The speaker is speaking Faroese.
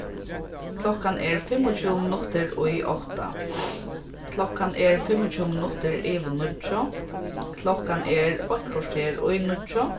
klokkan er fimmogtjúgu minuttir í átta klokkan er fimmogtjúgu minuttir yvir níggju klokkan er eitt korter í níggju